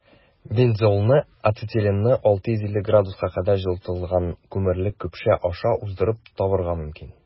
Бензолны ацетиленны 650 С кадәр җылытылган күмерле көпшә аша уздырып табарга мөмкин.